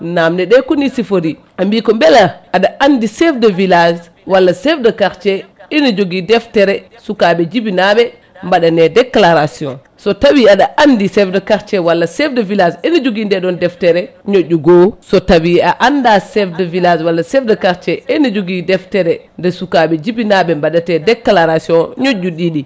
namde ɗe koni sifori ɓe mbi ko beela aɗa andi chef de village walla chef de quartier ine jogui deftere sukaɓe jibinaɓe mbaɗane déclaration so tawi aɗa andi chef de quartier walla de village eɓe jogui nde ɗon deftere ñoƴƴu goho so tawi a anda chef de village walla chef de quartier ñoƴƴu ene jogui deftere nde sukaɓe jibinaɓe mbaɗete déclaration ñoƴƴu ɗiɗi